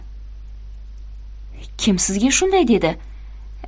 kim sizga shunday dedi